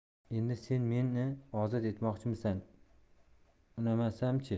endi sen meni ozod etmoqchimisan unamasam chi